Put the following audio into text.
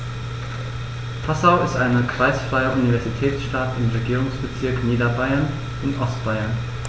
Passau ist eine kreisfreie Universitätsstadt im Regierungsbezirk Niederbayern in Ostbayern.